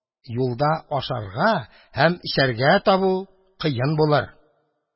Юлда ашарга һәм эчәргә табу кыен булыр!..